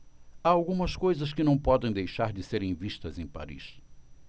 há algumas coisas que não podem deixar de serem vistas em paris